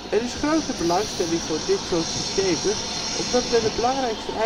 Er is grote belangstelling voor dit soort systemen, omdat men de belangrijkste